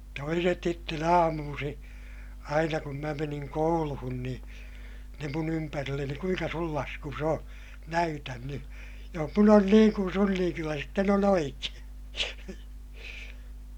toiset sitten aamuisin aina kun minä menin kouluun niin ne minun ympärilleni kuinka sinun laskusi on näytä nyt jos minun on niin kuin sinun niin kyllä sitten on oikein